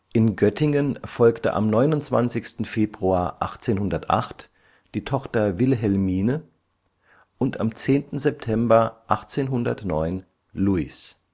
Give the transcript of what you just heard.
In Göttingen folgte am 29. Februar 1808 die Tochter Wilhelmine († 12. August 1840) und am 10. September 1809 Louis